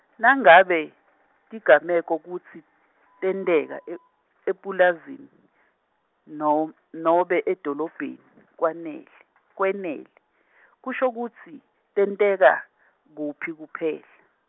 nangabe tigameko kutsi tenteka, e- epulazini nom- nobe edolobheni kwanele kwenele , kusho kutsi tenteka kuphi kuphela.